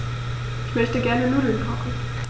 Ich möchte gerne Nudeln kochen.